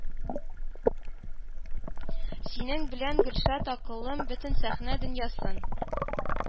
Синең белән, Гөлшат акыллым, бөтен сәхнә дөньясын